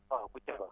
waaw Koutiéb